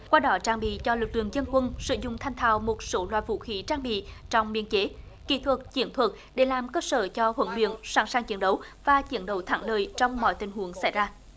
qua đó trang bị cho lực lượng dân quân sử dụng thành thạo một số loại vũ khí trang bị trong biên chế kỹ thuật chiến thuật để làm cơ sở cho huấn luyện sẵn sàng chiến đấu và chiến đấu thắng lợi trong mọi tình huống xảy ra